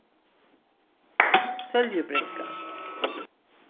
sóljubrekka